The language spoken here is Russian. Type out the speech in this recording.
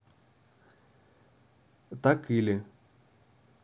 так или